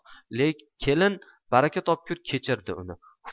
kelin baraka topkur kechirdi uni